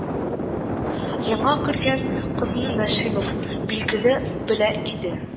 Яңа кергән кызны Нашимов, билгеле, белә иде